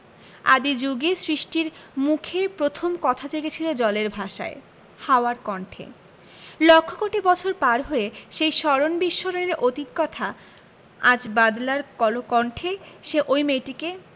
আদি জুগে সৃষ্টির মুখে প্রথম কথা জেগেছিল জলের ভাষায় হাওয়ার কণ্ঠে লক্ষ কোটি বছর পার হয়ে সেই স্মরণ বিস্মরণের অতীত কথা আজ বাদলার কলকণ্ঠে সে ঐ মেয়েটিকে